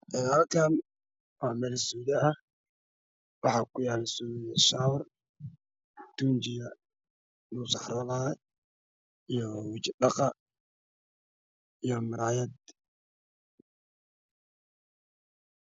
Waa musqul midabkeedu yahay caddaan buluug darbiyada waa cadaan waxay leedahay tuubo biyo lagu shubo